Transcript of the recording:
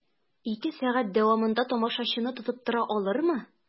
Ике сәгать дәвамында тамашачыны тотып тора алырмы?